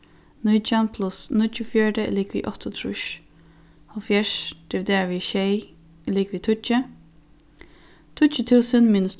nítjan pluss níggjuogfjøruti er ligvið áttaogtrýss hálvfjerðs dividerað við sjey er ligvið tíggju tíggju túsund minus